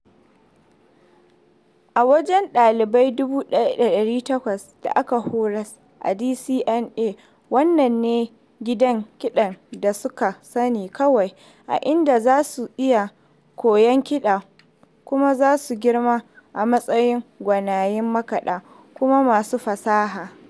A wajen ɗalibai 1,800 da aka horas a DCMA, wannan ne gidan kiɗan da suka sani kawai, a inda za su iya koyan kiɗa kuma su girma a matsayin gwanaye makaɗa kuma masu fasaha.